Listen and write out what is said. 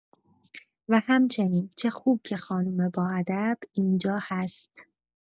و همچنین چه خوب که خانوم با ادب اینجا هست